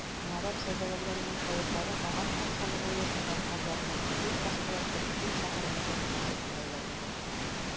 Гарәп сәүдәгәренең каеклары каган патшалыгы яшәгән хәзәрнең төп башкаласы Итил шәһәренә якынлашып киләләр иде.